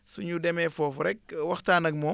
su ñu demee foofu rek waxtaan ak moom